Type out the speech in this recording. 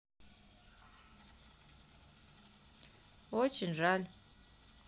очень жаль